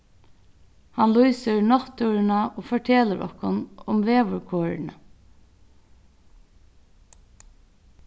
hann lýsir náttúruna og fortelur okkum um veðurkorini